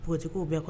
Npogotigiw bɛɛ kɔ